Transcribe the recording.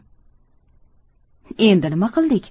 endi nima qildik